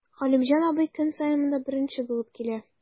Галимҗан абый көн саен монда беренче булып килә.